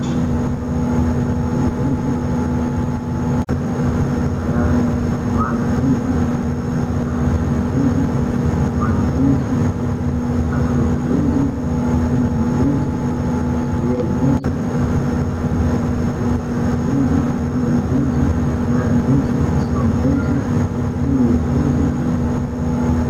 Waana shirkado sawir xayeysiis ah waxaa iiga muuqda primer bank salaam iyo shirkado kale